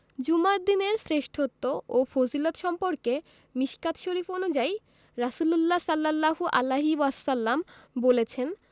জুমার দিনের শ্রেষ্ঠত্ব ও ফজিলত সম্পর্কে মিশকাত শরিফ অনুযায়ী রাসুলুল্লাহ সা বলেছেন